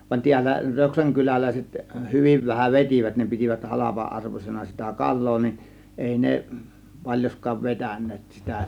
vaan täällä Röksän kyläläiset hyvin vähän vetivät ne pitivät halpa-arvoisena sitä kalaa niin ei ne paljonkaan vetäneet sitä